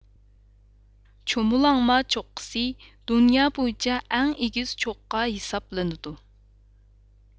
چومۇلاڭما چوققىسى دۇنيا بويىچە ئەڭ ئېگىز چوققا ھېسابلىنىدۇ